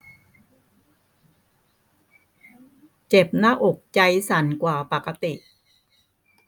เจ็บหน้าอกใจสั่นกว่าปกติ